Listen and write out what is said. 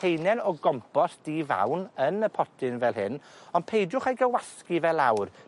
heinen o gompos di fawn yn y potyn fel hyn on' peidiwch â'i gywasgu fe lawr.